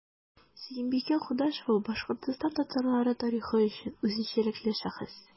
Сөембикә Кудашева – Башкортстан татарлары тарихы өчен үзенчәлекле шәхес.